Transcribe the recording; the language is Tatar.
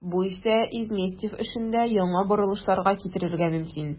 Бу исә Изместьев эшендә яңа борылышларга китерергә мөмкин.